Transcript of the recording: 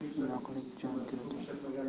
inoqlik jon kiritar